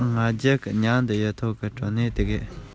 ཞི ཕྲུག དེ གང དེ རེད